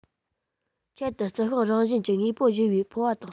ཆེད དུ རྩི ཤིང རང བཞིན གྱི དངོས པོ འཇུ བའི ཕོ བ དང